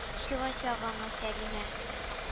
Чыгачак аңа сәлимә